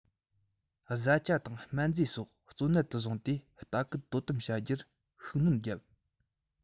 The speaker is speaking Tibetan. བཟའ བཅའ དང སྨན རྫས སོགས གཙོ གནད དུ བཟུང སྟེ ལྟ སྐུལ དོ དམ བྱ རྒྱུར ཤུགས སྣོན བརྒྱབ